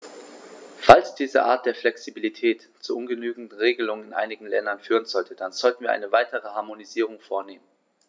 Falls diese Art der Flexibilität zu ungenügenden Regelungen in einigen Ländern führen sollte, dann sollten wir eine weitere Harmonisierung vornehmen.